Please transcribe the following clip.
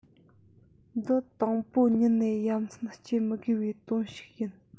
འདི དང པོ ཉིད ནས ཡ མཚན སྐྱེ མི དགོས པའི དོན ཞིག ཡིན